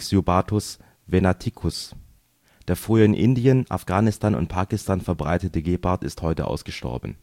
j. venaticus: Der früher in Indien, Afghanistan und Pakistan verbreitete Gepard ist heute ausgestorben